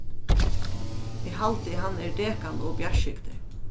eg haldi hann er dekan ov bjartskygdur